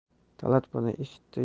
talat buni eshitdi